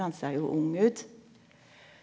hans ser jo ung ut.